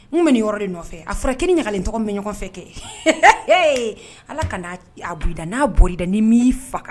N bɛ nin yɔrɔ de nɔfɛ a sɔrɔ' ɲagalen tɔgɔ bɛ ɲɔgɔnfɛ kɛ ala ka a bi n'a bolida ni m'i faga